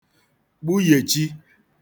gbuyèchi